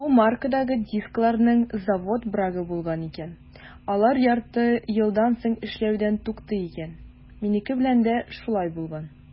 Бу маркадагы дискларның завод брагы булган икән - алар ярты елдан соң эшләүдән туктый икән; минеке белән дә шулай булган.